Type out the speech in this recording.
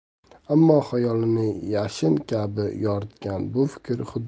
ammo xayolini yashin kabi yoritgan bu fikr